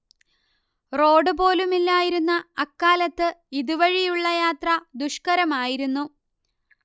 road പോലുമില്ലായിരുന്ന അക്കാലത്ത് ഇതുവഴിയുള്ള യാത്ര ദുഷ്കരമായിരുന്നു